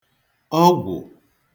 ọgwụ̀